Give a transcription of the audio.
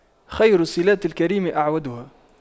خير صِلاتِ الكريم أَعْوَدُها